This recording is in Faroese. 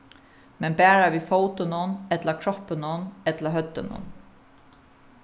men bara við fótunum ella kroppinum ella høvdinum